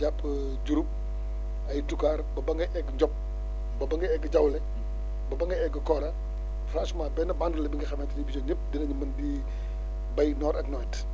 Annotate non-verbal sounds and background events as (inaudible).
jàpp (hesitation) Diouroup ay Toucaar ba ba ngay egg Diop ba ba ngay egg Diaole ba ba ngay egg Kora franchement benn bande la bi nga xamante ni bii ñoom ñëpp dinañ mën di (breath) béy noor ak nawet